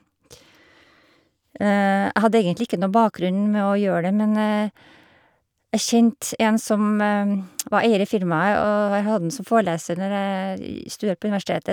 Jeg hadde egentlig ikke noe bakgrunn med å gjøre det, men jeg kjente en som var eier i firmaet, og jeg har hatt ham som foreleser når jeg studerte på universitetet.